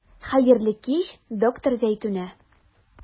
Хәерле кич, доктор Зәйтүнә.